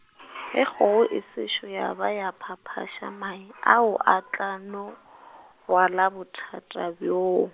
ge kgogo e sešo ya be ya phaphaša mae ao, a tla no , rwala bothata bjoo.